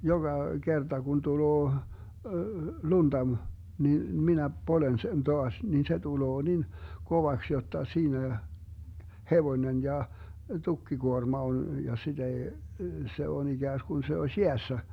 joka kerta kun tulee lunta - niin minä poljen sen taas niin se tulee niin kovaksi jotta siinä hevonen ja tukkikuorma on ja sitä ei se on ikään kuin se olisi jäässä